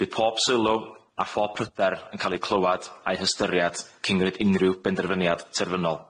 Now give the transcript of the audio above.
Bydd pob sylw a phob pryder yn ca'l eu clywad a'u hystyriad cyn rhoid unrhyw benderfyniad terfynol.